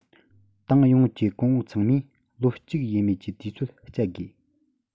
ཏང ཡོངས ཀྱི གོང འོག ཚང མས ལོ གཅིག ཡས མས ཀྱི དུས ཚོད སྤྱད དགོས